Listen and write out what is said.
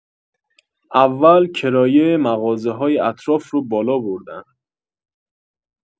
اول کرایۀ مغازه‌های اطراف رو بالا بردن.